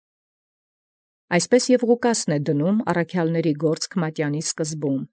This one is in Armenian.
Հանգոյն սմին և Ղուկաս յսկիզբն Առաքելագործ մատենին դնէ։